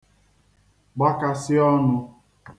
gbakasị ọnụ̄